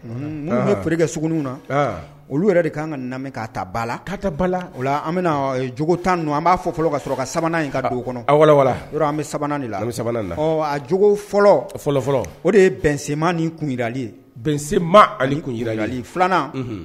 An bɛ pur kɛ sw na olu yɛrɛ de kanan ka na ka ba la kata bala o an bɛna jo tan ninnu an b'a fɔ fɔlɔ ka sɔrɔ ka sabanan in ka kɔnɔ awwa yɔrɔ bɛ sabali la j fɔlɔ fɔlɔfɔlɔ o de ye bɛnsenma ni kunli ye bɛnma ani kun yili filanan